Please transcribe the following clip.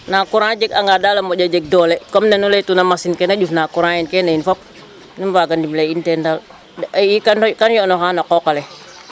Ndaa courant jeganga daal ta moƴo jeg doole comme nenu laytuma machine ka na ƴufna courant yiin kene yiin a fop nu mbaaga ndimle a in teen daal ii kaam yo'nooxaa na qooq ale.